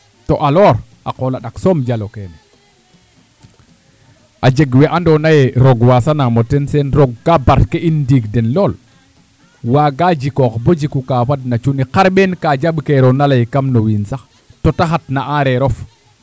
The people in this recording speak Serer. to alors a qol a ɗak soom jalo keeea jag we andoona yee roog a waasaanaam o ten Sean roog ka barke'in ndiig den lool waaga jiku boo jiku ka fadna cunni xarɓeen ka jaɓkeerona lay kam no wiin sax tota xat naa aareerof